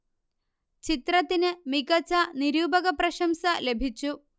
ചിത്രത്തിന് മികച്ച നിരൂപക പ്രശംസ ലഭിച്ചു